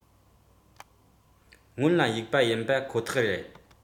སྔོན ལ ཚོད རྩིས དང ཚོད ལྟ རླུང ཤུགས ཐེབས བྱེད ནུས སོགས ཀྱི རྒྱུ རྐྱེན ཡིན པ ཁོ ཐག རེད